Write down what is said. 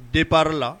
Denbaa la